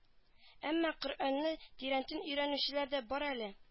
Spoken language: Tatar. Әмма коръәнне тирәнтен өйрәнүчеләр дә бар әле